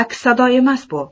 aks sado emas bu